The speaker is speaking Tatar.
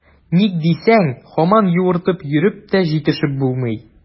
Ник дисәң, һаман юыртып йөреп тә җитешеп булмый.